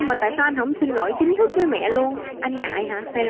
mà tại sao anh hổng xin lỗi chính thức với mẹ luôn anh ngại hả hay là